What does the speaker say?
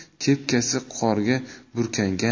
kepkasi qorga burkangan